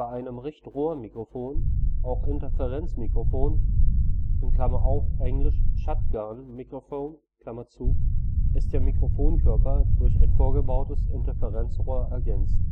einem Richtrohrmikrofon, auch Interferenzmikrofon (engl. shotgun microphone) ist der Mikrofonkörper durch ein vorgebautes Interferenzrohr ergänzt